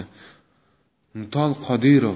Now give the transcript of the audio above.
mutal qodirov